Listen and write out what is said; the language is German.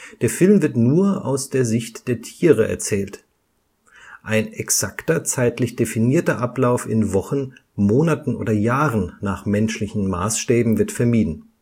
Der Film wird nur aus der Sicht der Tiere erzählt. Ein exakter zeitlich definierter Ablauf in Wochen, Monaten oder Jahren nach menschlichen Maßstäben wird vermieden